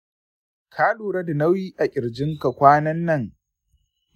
ka lura da nauyi a ƙirjinka kwanan nan?